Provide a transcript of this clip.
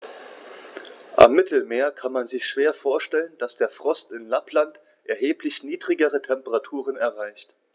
Am Mittelmeer kann man sich schwer vorstellen, dass der Frost in Lappland erheblich niedrigere Temperaturen erreicht.